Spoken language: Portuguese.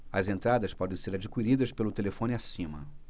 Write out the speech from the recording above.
as entradas podem ser adquiridas pelo telefone acima